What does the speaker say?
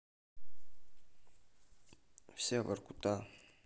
вся воркута